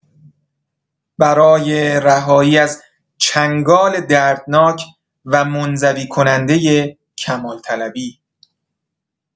برای رهایی از چنگال دردناک و منزوی‌کنندۀ کمال‌طلبی